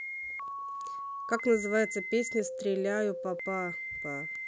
как называется песня стреляю па па па